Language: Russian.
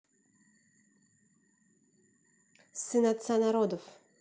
сын отца народов